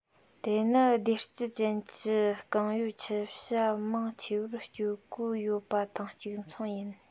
དེ ནི སྡེར སྐྱི ཅན གྱི རྐང ཡོད ཆུ བྱ མང ཆེ བར སྤྱོད སྒོ ཡོད པ དང གཅིག མཚུངས ཡིན